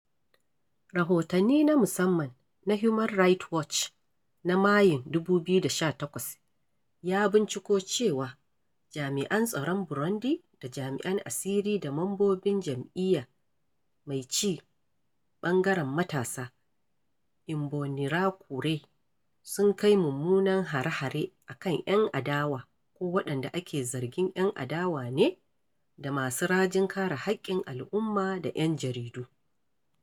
Rahoto na musamman na Human Right Watch na Mayun 2018 ya binciko cewa jami'an tsaron Burundi da jami'an asiri da mambobin jam'iyya mai ci ɓangaren matasa, Imbonerakure, sun kai munanan hare-hare a kan 'yan adawa ko waɗanda ake zargin 'yan adawa ne da masu rajin kare haƙƙin al'umma da 'yan jaridu.